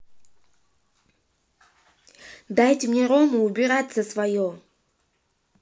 дайте мне рому и убираться свое